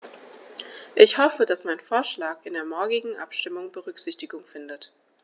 Ich hoffe, dass mein Vorschlag in der morgigen Abstimmung Berücksichtigung findet.